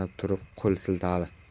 o'ylanib turib qo'l siltadi